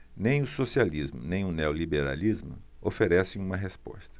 nem o socialismo nem o neoliberalismo oferecem uma resposta